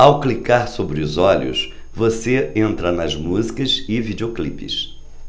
ao clicar sobre os olhos você entra nas músicas e videoclipes